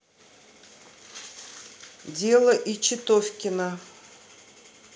дело ичитовкина